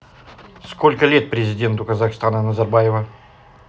сколько лет президенту казахстана назарбаева